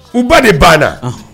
U ba de banna, ɔhɔn!